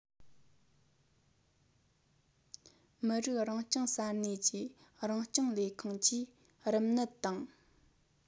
མི རིགས རང སྐྱོང ས གནས ཀྱི རང སྐྱོང ལས ཁུངས ཀྱིས རིམས ནད དང